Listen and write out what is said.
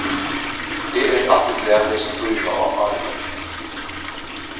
eg eri altíð glað hesa tíðina á árinum